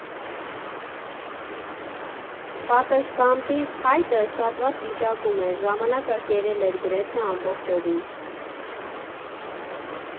Պատշգամբի փայտը շատ վատ վիճակում էր, ժամանակը կերել էր գրեթե ամբողջովին։